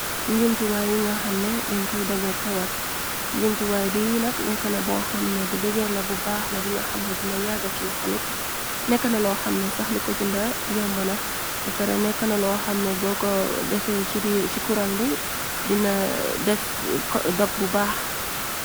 Njumtuwaay yi nga xamne dañ koy doge kawar, njumtuwaay bi nak, nekka na boo xamne bu degeer la bu baaxla bi nga xamne dina yagga cilu xo nit, nekka na loo xamne saxlu ko jinda yombana, bepere nekka na loo xamne bo ko defee ci kurang bi dina dog bu baax.